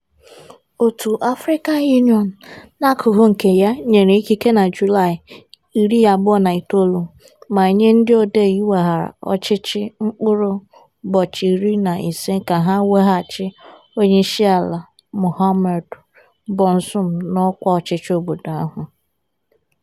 Òtù African Union (AU), n'akụkụ nke ya, nyere ikike na Julaị 29 ma nye ndị odee iweghara ọchịchị mkpụrụ ụbọchị 15 ka ha weghachi onyeisiala Mohamed Bazoum n'ọkwá ọchịchị obodo ahụ.